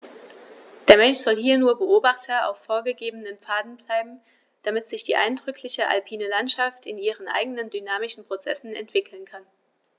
Der Mensch soll hier nur Beobachter auf vorgegebenen Pfaden bleiben, damit sich die eindrückliche alpine Landschaft in ihren eigenen dynamischen Prozessen entwickeln kann.